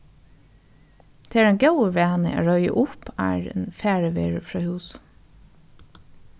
tað er ein góður vani at reiða upp áðrenn farið verður frá húsum